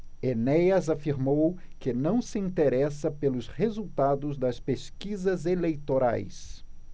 enéas afirmou que não se interessa pelos resultados das pesquisas eleitorais